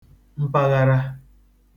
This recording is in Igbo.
mpaghara